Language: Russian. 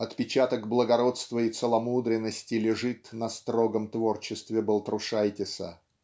Отпечаток благородства и целомудренности лежит на строгом творчестве Балтрушайтиса.